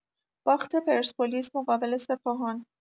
باخت پرسپولیس مقابل سپاهان